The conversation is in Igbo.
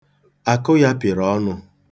Akụ ya pịrị ọnụ.